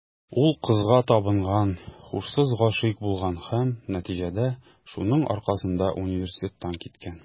Ул кызга табынган, һушсыз гашыйк булган һәм, нәтиҗәдә, шуның аркасында университеттан киткән.